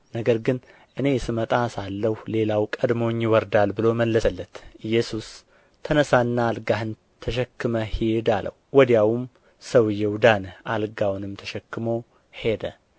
ነገር ግን እኔ ስመጣ ሳለሁ ሌላው ቀድሞኝ ይወርዳል ብሎ መለሰለት ኢየሱስ ተነሣና አልጋህን ተሸክመህ ሂድ አለው ወዲያውም ሰውዬው ዳነ አልጋውንም ተሸክሞ ሄደ